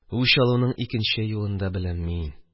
Үч алуның икенче юлын да беләм мин